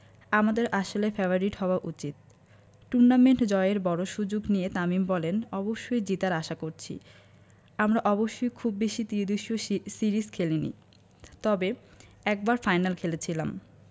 আমাদের আসলে ফেবারিট হওয়া উচিত টুর্নামেন্ট জয়ের বড় সুযোগ নিয়ে তামিম বলেন অবশ্যই জেতার আশা করছি আমরা অবশ্যই খুব বেশি ত্রিদেশীয় সিরিজ খেলেনি তবে একবার ফাইনাল খেলেছিলাম